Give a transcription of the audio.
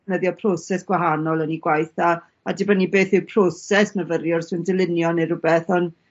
...defnyddio proses gwahanol yn 'u gwaith a a dibynnu beth yw proses myfyriwr sy'n dylunio ne' rwbeth on'...